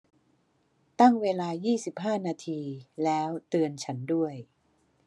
ตั้งเวลายี่สิบห้านาทีแล้วเตือนฉันด้วย